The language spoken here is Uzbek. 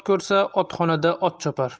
ko'rsa otxonada ot chopar